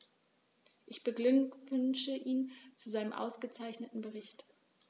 Ich beglückwünsche ihn zu seinem ausgezeichneten Bericht.